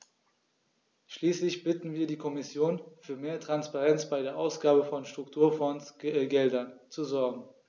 Schließlich bitten wir die Kommission, für mehr Transparenz bei der Ausgabe von Strukturfondsgeldern zu sorgen.